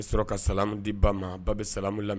I b'i sɔrɔ ka salamu di i ba ma, i ba bɛ salamu laminɛ.